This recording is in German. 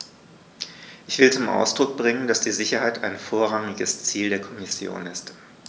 Ich will zum Ausdruck bringen, dass die Sicherheit ein vorrangiges Ziel der Kommission ist.